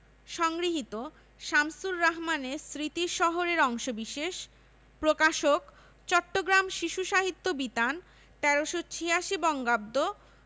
সংগৃহীত শামসুর রাহমানের স্মৃতির শহর এর অংশবিশেষ প্রকাশকঃ চট্টগ্রাম শিশু সাহিত্য বিতান ১৩৮৬ বঙ্গাব্দ